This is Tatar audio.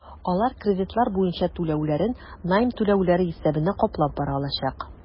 Алар кредитлар буенча түләүләрен найм түләүләре исәбенә каплап бара алачак.